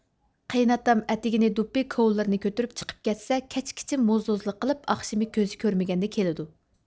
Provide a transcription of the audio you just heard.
قېيناتام ئەتىگىنى دۇپپى كوۋلىرىنى كۆتۈرۈپ چىقىپ كەتسە كەچكىچە موزدوزلۇق قىلىپ ئاخشىمى كۆزى كۆرمىگەندە كېلىدۇ